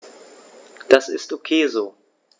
Das ist ok so.